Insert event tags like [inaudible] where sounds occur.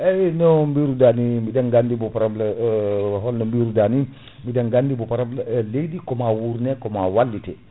eyyi no biruɗani emin gandi bo pro* [hesitation] holno biruɗa ni [breath] biɗen gandi bo pa* e leydi ko ma wurne ko ma wallite